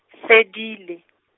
fedile.